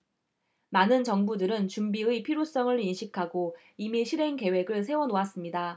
많은 정부들은 준비의 필요성을 인식하고 이미 실행 계획을 세워 놓았습니다